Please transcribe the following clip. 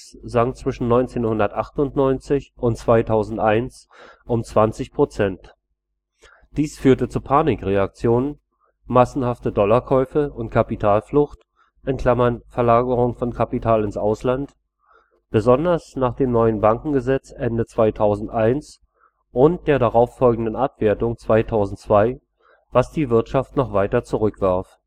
sank zwischen 1998 und 2001 um 20%. Dies führte zu Panikreaktionen – massenhafte Dollarkäufe und Kapitalflucht (Verlagerung von Kapital ins Ausland) – besonders nach dem neuen Bankengesetz Ende 2001 und der darauf folgenden Abwertung 2002, was die Wirtschaft noch weiter zurückwarf